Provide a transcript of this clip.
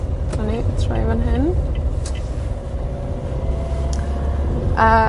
'Na ni, troi fan hyna. A